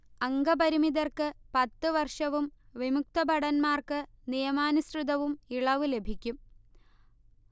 അംഗപരിമിതർക്ക് പത്ത് വർഷവും വിമുക്തഭടന്മാർക്ക് നിയമാനുസൃതവും ഇളവ് ലഭിക്കും